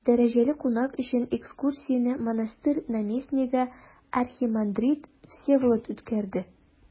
Дәрәҗәле кунак өчен экскурсияне монастырь наместнигы архимандрит Всеволод үткәрде.